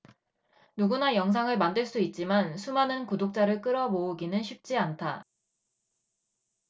누구나 영상을 만들 수 있지만 수많은 구독자를 끌어 모으기는 쉽지 않다